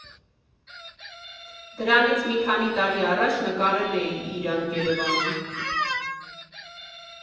Դրանից մի քանի տարի առաջ նկարել էի իրան Երևանում։